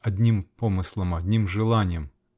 одним помыслом, одним желаньем.